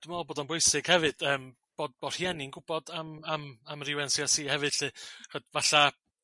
Dwi me'l bod o'n bwysig hefyd yym bod bo' rhieni'n gw'bod am am yr yr iw en si ar si hefyd 'llu.